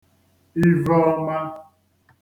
iveọma